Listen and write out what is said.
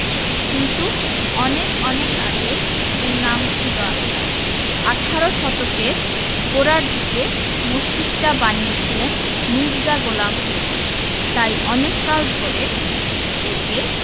কিন্তু অনেক অনেক আগে এর নাম ছিল আলাদা আঠারো শতকের গোড়ার দিকে মসজিদটা বানিয়েছিলেন মির্জা গোলাম পীর তাই অনেক কাল ধরে একে